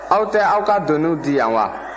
aw tɛ aw ka doniw di yan wa